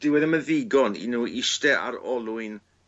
Dyw e ddim yn ddigon i n'w iste ar olwyn